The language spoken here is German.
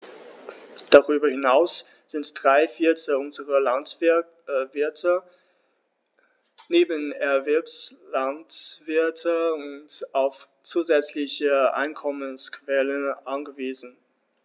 Darüber hinaus sind drei Viertel unserer Landwirte Nebenerwerbslandwirte und auf zusätzliche Einkommensquellen angewiesen.